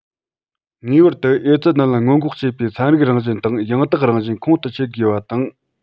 ངེས པར དུ ཨེ ཙི ནད སྔོན འགོག བྱེད པའི ཚན རིག རང བཞིན དང ཡང དག རང བཞིན ཁོང དུ ཆུད དགོས པ དང